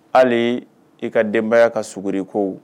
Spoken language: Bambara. Hali e ka denbaya ka suguri ko